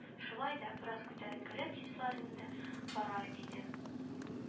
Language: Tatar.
Шулай да бераз күтәренкелек хисларенда да бара иде